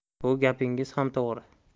bu gapingiz ham to'g'ri